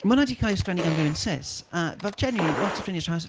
Mae hwnna 'di cael ei sgwennu gan rywun cis a fel genuinely lot o ffrindiau traws...